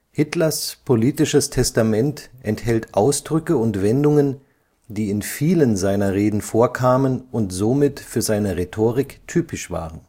Hitlers „ politisches Testament “enthält Ausdrücke und Wendungen, die in vielen seiner Reden vorkamen und somit für seine Rhetorik typisch waren